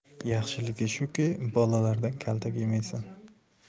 yaxshiligi shuki bolalardan kaltak yemaysan